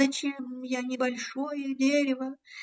Зачем я не большое дерево?